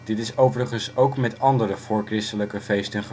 is overigens ook met andere voorchristelijke feesten